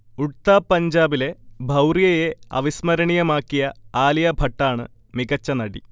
ഉഡ്താ പഞ്ചാബിലെ ഭൗറിയയെ അവിസ്മരണീയമാക്കിയ ആലിയ ഭട്ടാണ് മികച്ച നടി